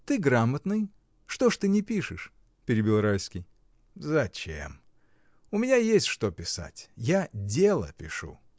— Ты грамотный, что ж ты не пишешь? — перебил Райский. — Зачем? У меня есть что писать. Я дело пишу.